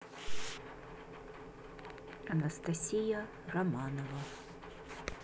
анастасия романова